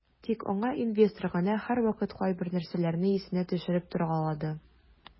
Тик аңа инвестор гына һәрвакыт кайбер нәрсәләрне исенә төшереп торгалады.